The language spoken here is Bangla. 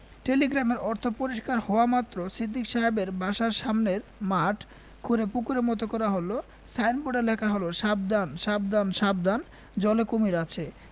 টেলিগ্রামের অর্থ পরিষ্কার হওয়ামাত্র সিদ্দিক সাহেবের বাসার সামনের মাঠ খুঁড়ে পুকুরের মৃত করা হল সাইনবোর্ডে লেখা হল সাবধান সাবধান সাবধান জলে কুমীর আছে